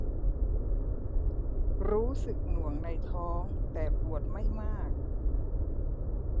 รู้สึกหน่วงในท้องแต่ปวดไม่มาก